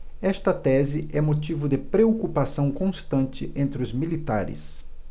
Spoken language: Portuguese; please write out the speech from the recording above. esta tese é motivo de preocupação constante entre os militares